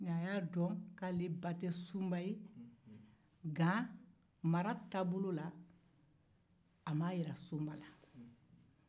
a y'a dɔn k'ale ba tɛ sunba ye nka mara taabolo la a m'a jira sunba la